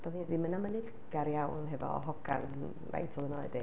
Doedd hi ddim yn amyneddgar iawn efo hogan, faint oedd yn oed i?